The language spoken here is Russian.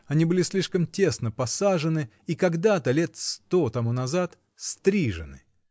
они были слишком тесно посажены и когда-то -- лет сто тому назад -- стрижены.